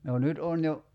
no nyt on jo